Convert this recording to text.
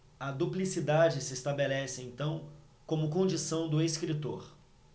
a duplicidade se estabelece então como condição do escritor